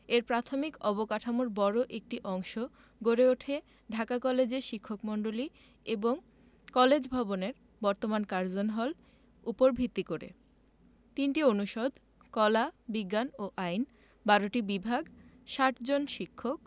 এর প্রাথমিক অবকাঠামোর বড় একটি অংশ গড়ে উঠে ঢাকা কলেজের শিক্ষকমন্ডলী এবং কলেজ ভবনের বর্তমান কার্জন হল উপর ভিত্তি করে ৩টি অনুষদ কলা বিজ্ঞান ও আইন ১২টি বিভাগ ৬০ জন শিক্ষক